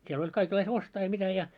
siellä oli kaikenlaista ostaa ja mitä ja